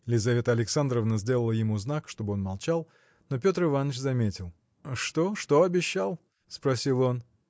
Лизавета Александровна сделала ему знак чтоб он молчал но Петр Иваныч заметил. – Что, что обещал? – спросил он.